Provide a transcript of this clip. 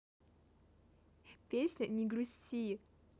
песня не грусти